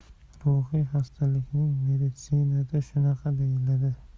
ruhiy xastalikni meditsinada shunaqa deyiladi